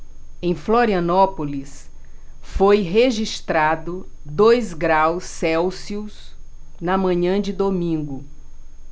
em florianópolis foi registrado dois graus celsius na manhã de domingo